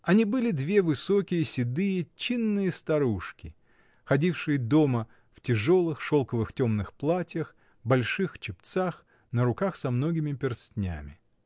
Они были две высокие, седые, чинные старушки, ходившие дома в тяжелых, шелковых темных платьях, больших чепцах, на руках со многими перстнями.